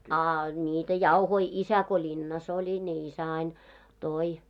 a niitä jauhoja isä kun linnassa oli niin isä aina toi